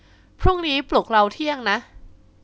พรุ่งนี้ปลุกเราเที่ยงนะ